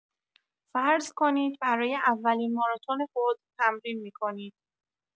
فرض کنید برای اولین ماراتن خود تمرین می‌کنید.